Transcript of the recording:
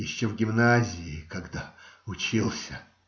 Еще в гимназии, когда учился.